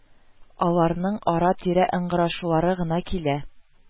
Аларның ара-тирә ыңгырашулары гына килә